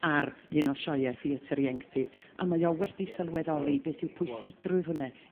ar un o sioee Theatr i'enctid, a mae o wedi sylweddoli beth yw pwysigrwydd hwnne